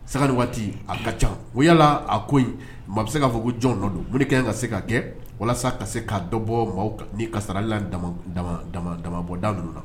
Sanga ni waati a ka caa , ko yala a ko in , maa bɛ se k'a fɔ ko jɔn de nɔ don? Mun de ka kan ka se ka kɛ walasa ka dɔ bɔ maaw nin kasarali la dama bɔda ninnu na